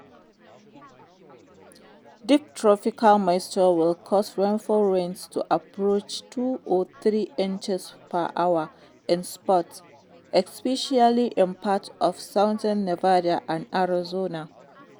Deep tropical moisture will cause rainfall rates to approach 2 to 3 inches per hour in spots, especially in parts of southern Nevada and Arizona.